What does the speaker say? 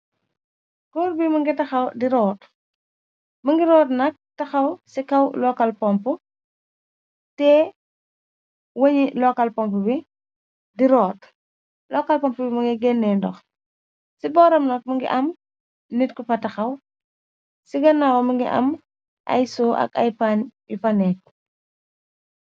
Góor bi mu ngi taxaw di rot, mungé rot nak taxaw ci kaw lokal pompu teyeh wëñi lokal pomp bi di rot. Lokal pompu bi mungi génne ndox. Ci booram nak mungi am nit ku fa taxaw, ci gannaawam mi ngi am ay siwo ak ay pan yu fanekk.